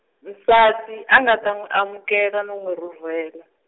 nsati a nga ta n'wi amukela no n'wi rhurhela.